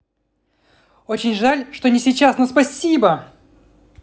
очень жаль что не сейчас но спасибо